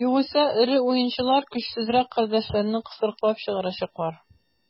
Югыйсә эре уенчылар көчсезрәк көндәшләрне кысрыклап чыгарачаклар.